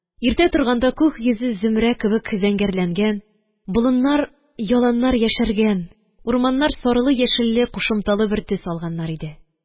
Иртә торганда, күк йөзе зөмрә кебек зәңгәрләнгән, болыннар, яланнар яшәргән, урманнар сарылы-яшелле кушымталы бер төс алганнар иде.